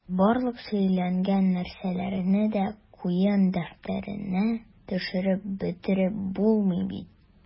Барлык сөйләнгән нәрсәләрне дә куен дәфтәренә төшереп бетереп булмый бит...